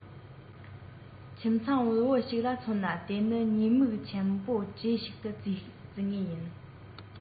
ཁྱིམ ཚང དབུལ པོ ཞིག ལ མཚོན ན དེ ནི ཉེས དམིགས ཆེན པོའི གྲས ཤིག ཏུ བརྩི ངེས རེད